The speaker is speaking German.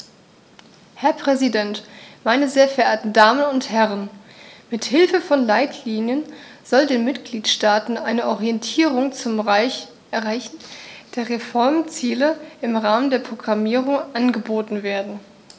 Herr Präsident, meine sehr verehrten Damen und Herren, mit Hilfe von Leitlinien soll den Mitgliedstaaten eine Orientierung zum Erreichen der Reformziele im Rahmen der Programmierung angeboten werden.